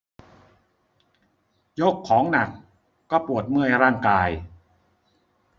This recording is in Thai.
ยกของหนักก็ปวดเมื่อยร่างกาย